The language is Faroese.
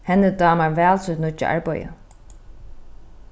henni dámar væl sítt nýggja arbeiði